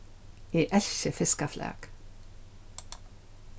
eg elski fiskaflak